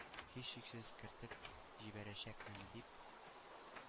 Һичшиксез, кертеп җибәрәчәкмен“, — дип,